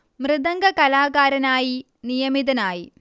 മൃദംഗകലാകാരനായി നിയമിതനായി